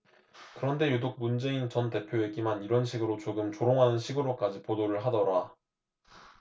그런데 유독 문재인 전 대표 얘기만 이런 식으로 조금 조롱하는 식으로까지 보도를 하더라